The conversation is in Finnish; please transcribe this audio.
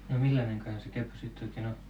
no millainenkahan se käpy sitten oikein on